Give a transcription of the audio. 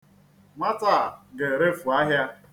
Nwata a ga-erefu ahịa.